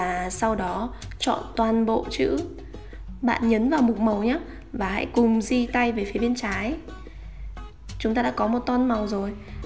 và sau đó chọn toàn bộ chữ bạn nhấn vào mục màu nhé và hãy cùng di tay về phía bên trái chúng ta đã có một tone màu rồi